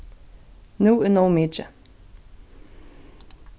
nú er nóg mikið